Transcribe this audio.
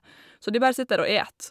Så de bare sitter der og eter.